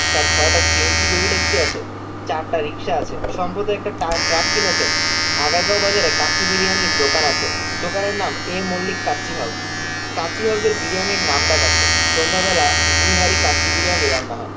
তার ছয়টা CNG baby taxi আছে চারটা রিকশা আছে সম্প্রতি একটা ট্রাক কিনেছেন আগারগাঁও বাজারে কাচ্চি বিরিয়ানির দোকান আছে দোকানের নাম এ মল্লিক কাচ্চি হাউস কাচ্চি হাউসের বিরিয়ানির নামডাক আছে সন্ধ্যাবেলা দুই হাঁড়ি কাচ্চি বিরিয়ানি রান্না হয়